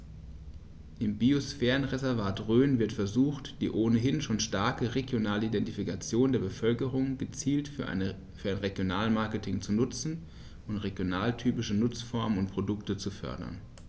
Im Biosphärenreservat Rhön wird versucht, die ohnehin schon starke regionale Identifikation der Bevölkerung gezielt für ein Regionalmarketing zu nutzen und regionaltypische Nutzungsformen und Produkte zu fördern.